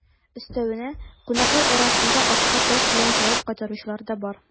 Өстәвенә, кунаклар арасында ашка таш белән җавап кайтаручылар да бар.